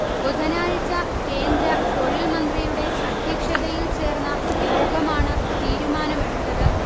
ബുധനാഴ്ച കേന്ദ്ര തൊഴിൽ മന്ത്രിയുടെ അധ്യക്ഷതയിൽ ചേർന്ന യോഗമാണ് തീരുമാനമെടുത്തത്